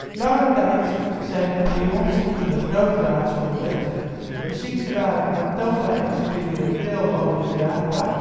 Lange tijd zijn de prionziekten een groot raadsel geweest: de ziekten waren aantoonbaar experimenteel overdraagbaar